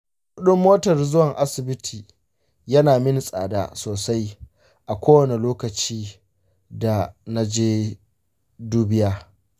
kuɗin motar zuwa asibiti yana mini tsada sosai a kowane lokaci da na je dubiya.